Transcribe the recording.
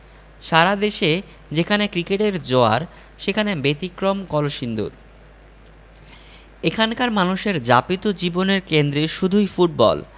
সারা দেশে যেখানে ক্রিকেটের জোয়ার সেখানে ব্যতিক্রম কলসিন্দুর এখানকার মানুষের যাপিত জীবনের কেন্দ্রে শুধুই ফুটবল